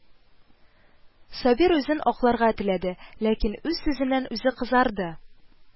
Сабир үзен акларга теләде, ләкин үз сүзеннән үзе кызарды